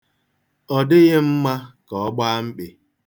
Ọ dịghị mma ka ọ gbaa mkpị.